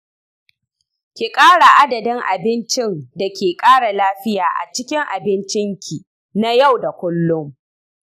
ki kara adadin abincin da ke kara lafiya a cikin abincin ki na yau da kullum.